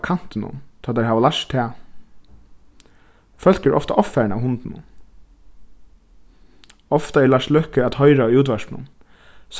kantinum tá teir hava lært tað fólk eru ofta ovfarin av hundunum ofta er lars løkke at hoyra í útvarpinum